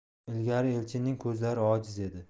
ilgari elchinning ko'zlari ojiz edi